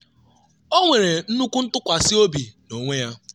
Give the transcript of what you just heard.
“Ọ nwere nnukwu ntụkwasị obi n’onwe ya.